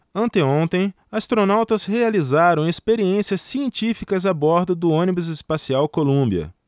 anteontem astronautas realizaram experiências científicas a bordo do ônibus espacial columbia